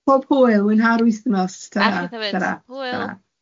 Pob hwyl, mwynha'r wythnos ta-ra ta-ra ta-ra.